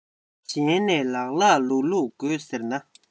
གཞན ནས ལགས ལགས ལུགས ལུགས དགོས ཟེར ན